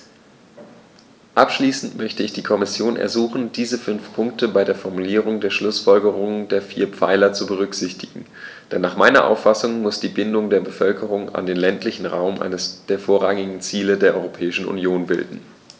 Abschließend möchte ich die Kommission ersuchen, diese fünf Punkte bei der Formulierung der Schlußfolgerungen der vier Pfeiler zu berücksichtigen, denn nach meiner Auffassung muss die Bindung der Bevölkerung an den ländlichen Raum eines der vorrangigen Ziele der Europäischen Union bilden.